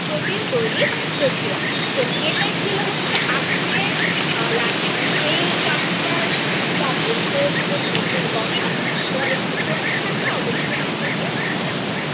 protein তৈরি প্রক্রিয়া তো এটাই ছিল হচ্ছে আজকের এই ক্লাসটার টপিক কোষ এবং কোষের গঠন তোমাদের কোন প্রশ্ন থাকলে অবশ্যই আমাদেরকে জানাবে